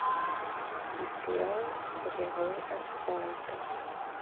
кипелов герой асфальта